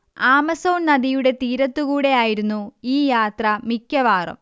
Amazon നദിയുടെ തീരത്തുകൂടെ ആയിരുന്നു ഈ യാത്ര മിക്കവാറും